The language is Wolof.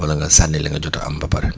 wala nga sànni li nga jot a am ba pare